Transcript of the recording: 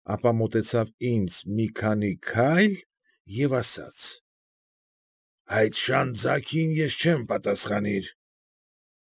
Ապա մոտեցավ ինձ մի քանի քայլ և ասաց. ֊ Այդ շան ձագին ես չեմ պատասխանիլ։